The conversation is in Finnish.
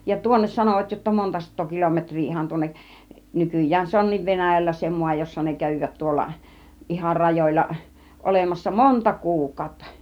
ja tuonne sanoivat jotta monta sataa kilometriä ihan tuonne nykyään se onkin Venäjällä se maa jossa ne kävivät tuolla ihan rajoilla olemassa monta kuukautta